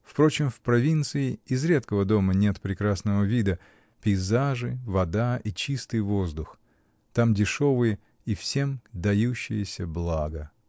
Впрочем, в провинции из редкого дома нет прекрасного вида: пейзажи, вода и чистый воздух — там дешевые и всем дающиеся блага.